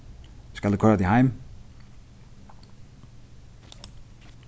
skal eg koyra teg heim